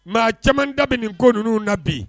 Nka caman da bɛ nin ko ninnu na bi